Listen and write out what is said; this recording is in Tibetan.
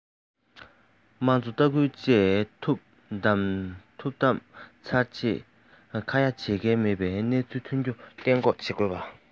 དམངས གཙོ ལྟ སྐུལ བཅས ཐུབ བདམས ཚར རྗེས ཁ ཡ བྱེད མཁན མེད པའི སྣང ཚུལ ཐོན རྒྱུ གཏན འགོག བྱེད དགོས